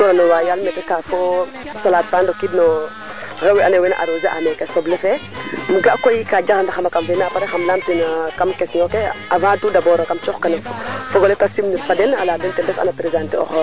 refe aussi ka ando naye a ɗoma comme refan calel mbin te ref ka ando naye a jaxla nan lool bugo jal calel ke mbine aussi inoox maga bugo gasa ɗingale so a puta cungang tamit refe ka topat wa korof topatu xa ɓiyof aussi refe ka ando naye cono yo na mi